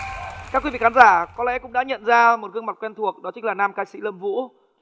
chắc quý vị khán giả có lẽ cũng đã nhận ra một gương mặt quen thuộc đó chính là nam ca sĩ lâm vũ